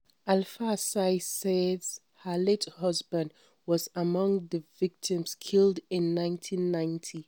Alpha Sy says her late husband was among the victims killed in 1990.